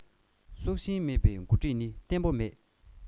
སོག ཤིང མེད པའི འགོ ཁྲིད ནི ཏེན པོ